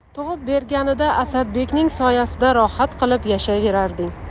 tug'ib berganida asadbekning soyasida rohat qilib yashayverarding